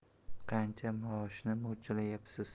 qancha maoshni mo'ljallayapsiz